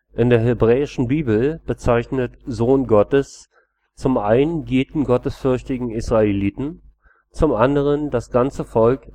In der hebräischen Bibel bezeichnet „ Sohn Gottes “zum einen jeden gottesfürchtigen Israeliten, zum anderen das ganze Volk